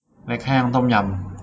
เล็กแห้งต้มยำ